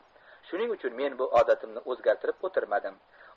shuning uchun men bu odatimni o'zgartirib o'tirmadim